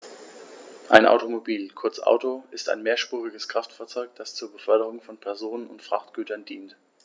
Ein Automobil, kurz Auto, ist ein mehrspuriges Kraftfahrzeug, das zur Beförderung von Personen und Frachtgütern dient.